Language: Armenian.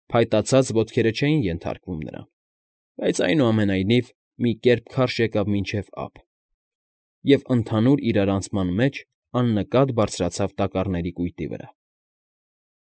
Փայտացած ոտքերը չէին ենթարկվում նրան, բայց, այնուամենայնիվ, մի կերպ քարշ եկավ մինչև ափ և ընդհանուր իրարանցման մեջ աննկատ բարձրացավ տակառների կույտի վրա։